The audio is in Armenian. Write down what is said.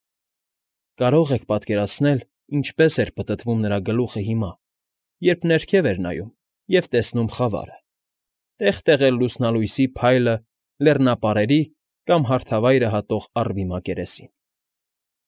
Կարող եք պատկերացնել, ինչպես էր պտտվում նրա գլուխը հիմա, երբ ներքև էր նայում և տեսնում խավարը, տեղ֊տեղ էլ լուսնալույսի փայլը լեռնապարերի կամ հարթավայրը հատող առվի մակերեսին։